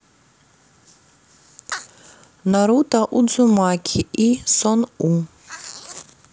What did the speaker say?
наруто удзумаки и сон у